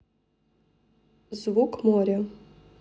звук моря